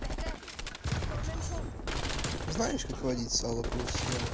знаешь как выводить сало плюс слава